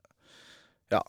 Ja.